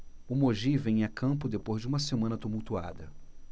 o mogi vem a campo depois de uma semana tumultuada